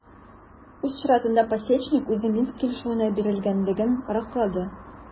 Үз чиратында Пасечник үзе Минск килешүенә бирелгәнлеген раслады.